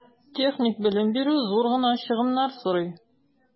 Техник белем бирү зур гына чыгымнар сорый.